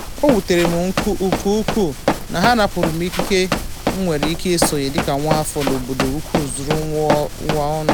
O wutere m nke ukwuu na ha napụrụ m ikike m nwere isonye dika nwa afọ n'obodo ukwu zuru ụwa ọnụ.